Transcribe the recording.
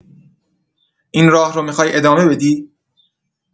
این راه رو می‌خوای ادامه بدی؟